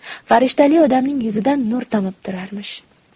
farishtali odamning yuzidan nur tomib turarmish